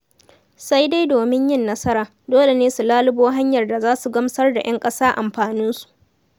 Sai dai domin yin nasara, dole ne su lalubo hanyar da za su gamsar da 'yan ƙasa amfaninsu.